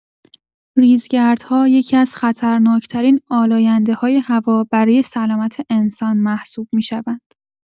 ریزگردها یکی‌از خطرناک‌ترین آلاینده‌های هوا برای سلامت انسان محسوب می‌شوند.